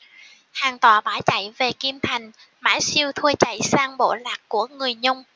hàn toại bỏ chạy về kim thành mã siêu thua chạy sang bộ lạc của người nhung